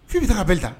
F' bɛ taa ka